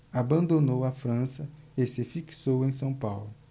abandonou a frança e se fixou em são paulo